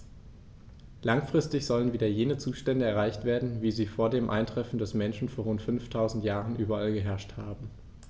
Langfristig sollen wieder jene Zustände erreicht werden, wie sie vor dem Eintreffen des Menschen vor rund 5000 Jahren überall geherrscht haben.